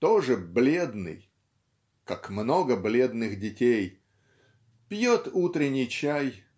тоже бледный (как много бледных детей!) пьет утренний чай